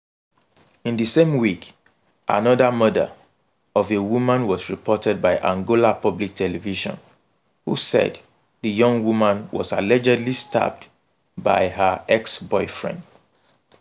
In the same week, another murder of a woman was reported by Angola Public Television who said the young woman was allegedly stabbed by her ex-boyfriend.